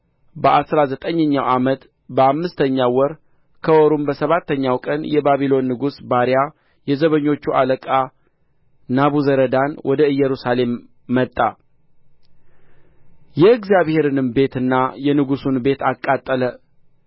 በአሥራ ዘጠኝኛው ዓመት በአምስተኛው ወር ከወሩም በሰባተኛው ቀን የባቢሎን ንጉሥ ባሪያ የዘበኞቹ አለቃ ናቡዘረዳን ወደ ኢየሩሳሌም መጣ የእግዚአብሔርንም ቤትና የንጉሡን ቤት አቃጠለ